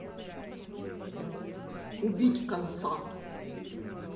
убить конца